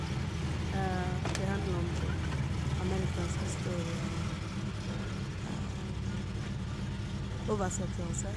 Det handler om som amerikansk historie og oversettelse.